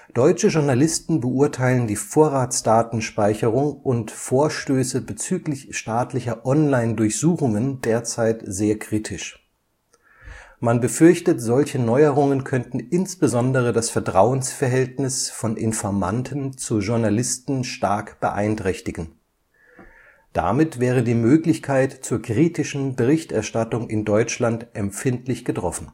Deutsche Journalisten beurteilen die Vorratsdatenspeicherung und Vorstöße bezüglich staatlicher Online-Durchsuchungen derzeit sehr kritisch. Man befürchtet, solche Neuerungen könnten insbesondere das Vertrauensverhältnis von Informanten zu Journalisten stark beeinträchtigen. Damit wäre die Möglichkeit zur kritischen Berichterstattung in Deutschland empfindlich getroffen